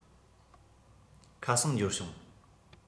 ཁ སང འབྱོར བྱུང